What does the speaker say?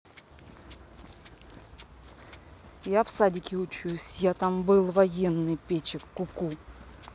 я в садике учусь я там был военный печек куку